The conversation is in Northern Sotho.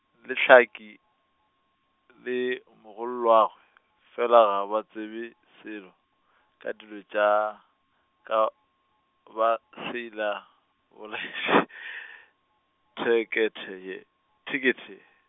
le Tlhaka, le mogolowagwe , fela ga ba tsebe selo, ka dilo tša, ka ba Seila , thekethe ye, thekethe.